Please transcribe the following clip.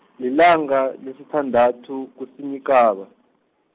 lilanga lesithandathu kuSinyikhaba.